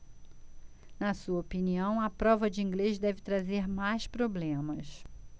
na sua opinião a prova de inglês deve trazer mais problemas